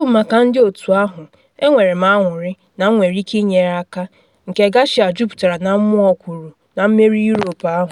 Ọ bụ maka ndị otu ahụ., enwere m anụrị na m nwere ike ịnyere aka,” nke Garcia juputara na mmụọ kwuru na mmeri Europe ahụ.